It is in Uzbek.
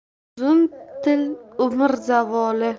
uzun til umr zavoli